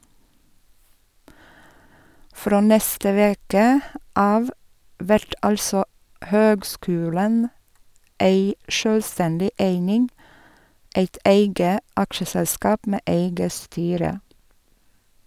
Frå neste veke av vert altså høgskulen ei sjølvstendig eining, eit eige aksjeselskap med eige styre.